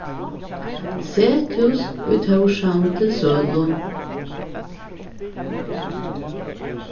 sethús í tórshavn til sølu